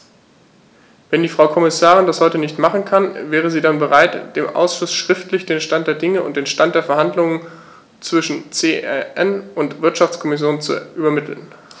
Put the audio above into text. Wenn die Frau Kommissarin das heute nicht machen kann, wäre sie dann bereit, dem Ausschuss schriftlich den Stand der Dinge und den Stand der Verhandlungen zwischen CEN und Wirtschaftskommission zu übermitteln?